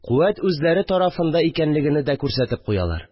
Куәт үзләре тарафында икәнлегене дә күрсәтеп куялар